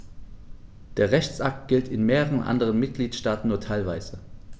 Der Rechtsakt gilt in mehreren anderen Mitgliedstaaten nur teilweise.